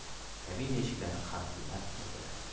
kabina eshiklari qarsillab yopiladi